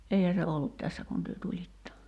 eihän se ollut tässä kun te tulitte